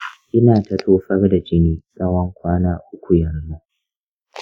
ina ta tofar da jini tsawon kwana uku yanzu.